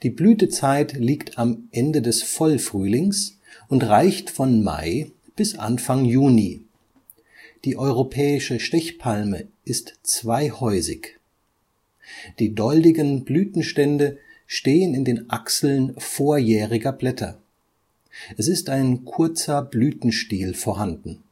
Blütezeit liegt am Ende des Vollfrühlings und reicht von Mai bis Anfang Juni. Die Europäische Stechpalme ist zweihäusig (diözisch). Die doldigen Blütenstände stehen in den Achseln vorjähriger Blätter. Es ist ein kurzer Blütenstiel vorhanden